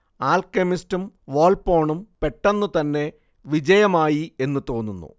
ആൽക്കെമിസ്റ്റും വോൾപ്പോണും പെട്ടെന്നുതന്നെ വിജയമായി എന്നു തോന്നുന്നു